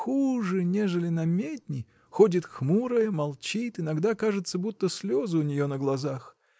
хуже, нежели намедни: ходит хмурая, молчит, иногда кажется, будто слезы у нее на глазах.